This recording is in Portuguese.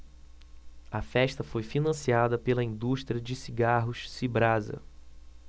a festa foi financiada pela indústria de cigarros cibrasa